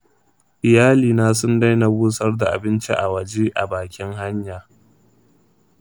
iyalina sun daina busar da abinci a waje a bakin hanya.